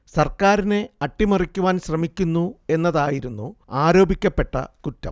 സർക്കാരിനെ അട്ടിമറിക്കുവാൻ ശ്രമിക്കുന്നു എന്നതായിരുന്നു ആരോപിക്കപ്പെട്ട കുറ്റം